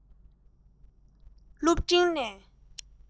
སློབ འབྲིང ནས